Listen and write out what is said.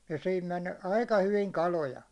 ja siihen meni aika hyvin kaloja